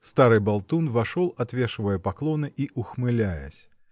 Старый болтун вошел, отвешивая поклоны и ухмыляясь.